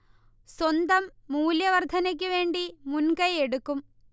സ്വന്തം മൂല്യ വർധ്നക്ക് വേണ്ടി മുൻ കൈ എടുക്കും